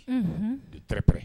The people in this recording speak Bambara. Un u tɛprɛ